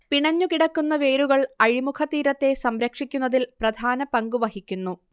പിണഞ്ഞുകിടക്കുന്ന വേരുകൾ അഴിമുഖ തീരത്തെ സംരക്ഷിക്കുന്നതിൽ പ്രധാനപങ്ക് വഹിക്കുന്നു